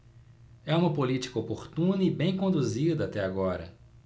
é uma política oportuna e bem conduzida até agora